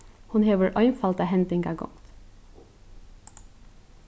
hon hevur einfalda hendingagongd